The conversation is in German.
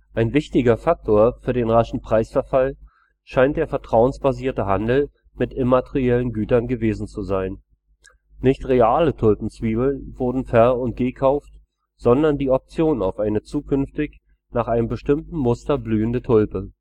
Ein wichtiger Faktor für den raschen Preisverfall scheint der vertrauensbasierte Handel mit „ immateriellen “Gütern gewesen sein. Nicht reale Tulpenzwiebeln wurden ver - und gekauft, sondern die Option auf eine zukünftig nach einem bestimmten Muster blühende Tulpe